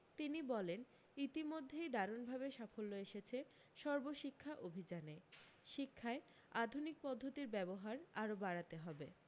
তিনি বলেন ইতিমধ্যেই দারুণ ভাবে সাফল্য এসেছে সর্বশিক্ষা অভি্যানে শিক্ষায় আধুনিক পদ্ধতির ব্যবহার আরও বাড়াতে হবে